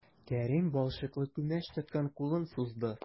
Кәрим балчыклы күмәч тоткан кулын сузды.